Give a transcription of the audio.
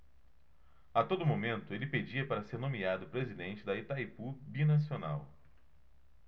a todo momento ele pedia para ser nomeado presidente de itaipu binacional